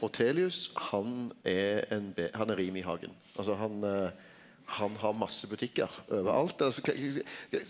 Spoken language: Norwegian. Ortelius han er ein han er Rimi-Hagen, altså han han har masse butikkar overalt, altså kva .